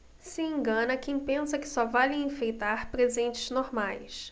se engana quem pensa que só vale enfeitar presentes normais